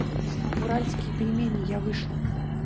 уральские пельмени я вышла